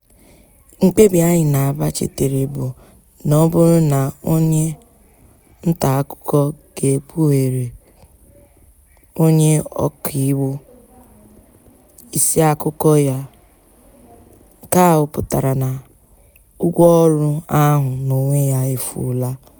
"Mkpebi anyị na-agbachitere bụ na ọ bụrụ na onye ntaakụkọ ga-ekpughere onye ọkaiwu isi akụkọ ya, nke ahụ pụtara na ùgwù ọrụ ahụ n'onwe ya efuola.